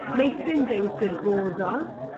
Meithrinfeydd gwirfoddol,